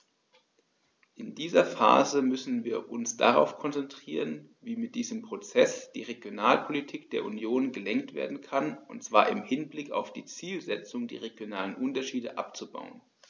In dieser Phase müssen wir uns darauf konzentrieren, wie mit diesem Prozess die Regionalpolitik der Union gelenkt werden kann, und zwar im Hinblick auf die Zielsetzung, die regionalen Unterschiede abzubauen.